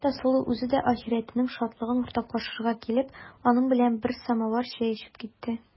Хәтта Сылу үзе дә ахирәтенең шатлыгын уртаклашырга килеп, аның белән бер самавыр чәй эчеп китте.